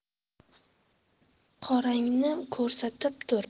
qorangni ko'rsatib tur